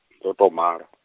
ndo to mala .